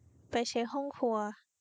ไปเช็คห้องครัว